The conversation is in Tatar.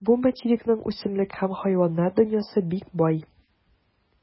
Бу материкның үсемлек һәм хайваннар дөньясы бик бай.